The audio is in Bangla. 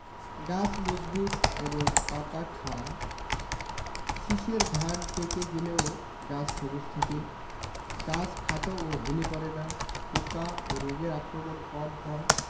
গাছ মজবুত এবং পাতা খাড়া শীষের ধান পেকে গেলেও গাছ সবুজ থাকে গাছ খাটো ও হেলে পড়ে না পোকা ও রোগের আক্রমণ কম হয়